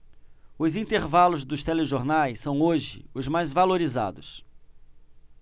os intervalos dos telejornais são hoje os mais valorizados